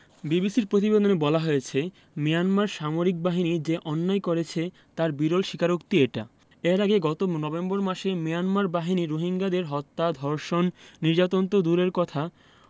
বিবিসির প্রতিবেদনে বলা হয়েছে মিয়ানমার সামরিক বাহিনী যে অন্যায় করেছে তার বিরল স্বীকারোক্তি এটি এর আগে গত নভেম্বর মাসে মিয়ানমার বাহিনী রোহিঙ্গাদের হত্যা ধর্ষণ নির্যাতন তো দূরের কথা